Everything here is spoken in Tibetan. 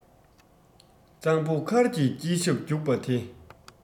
གཙང པོ མཁར གྱི དཀྱིལ ཞབས རྒྱུགས པ དེ